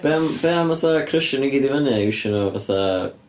Be am be am fatha crysio nhw i gyd i fyny a iwsio nhw fatha...